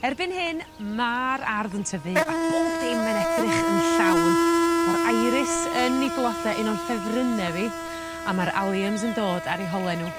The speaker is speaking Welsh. Erbyn hyn ma'r ardd yn tyfu a bob dim yn edrych yn llawn ma'r iris yn 'i blode un o'n ffefryne fi a ma'r aliums yn dod ar 'u holau n'w.